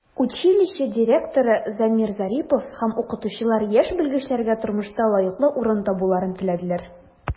Училище директоры Замир Зарипов һәм укытучылар яшь белгечләргә тормышта лаеклы урын табуларын теләделәр.